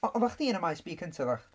O- oedda chdi yn y Maes B cyntaf oeddach?